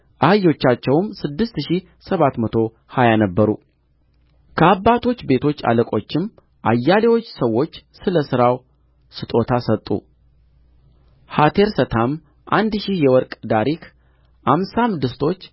አህዮቻቸውም ስድስት ሺህ ሰባት መቶ ሀያ ነበሩ ከአባቶች ቤቶች አለቆችም አያሌዎቹ ሰዎች ስለ ሥራው ስጦታ ሰጡ ሐቴርሰታም አንድ ሺህ የወርቅ ዳሪክ አምሳም ድስቶች